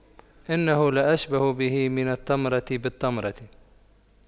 إنه لأشبه به من التمرة بالتمرة